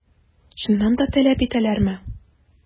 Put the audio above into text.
Чыннан да таләп итәләрме?